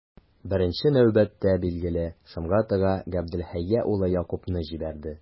Беренче нәүбәттә, билгеле, Шомгатыга, Габделхәйгә улы Якубны җибәрде.